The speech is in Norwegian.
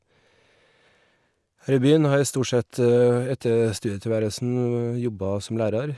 Her i byen har jeg stort sett etter studietilværelsen jobba som lærer.